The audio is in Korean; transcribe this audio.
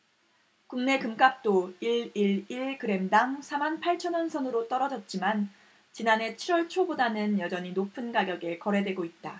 국내 금값도 일 일 일 그램당 사 만 팔천 원 선으로 떨어졌지만 지난해 칠 월 초보다는 여전히 높은 가격에 거래되고 있다